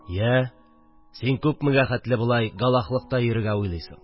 Я, син күпмегә хәтле болай галахлыкта йөрергә уйлыйсың